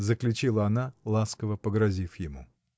— заключила она, ласково погрозив ему.